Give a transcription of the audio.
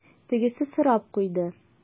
Тегесе сорап куйды: